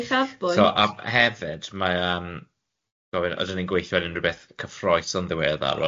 Uchafbwynt? So a hefyd mae yym gofyn ydyn ni'n gweithio ar unrhyw beth cyffrous yn ddiweddar?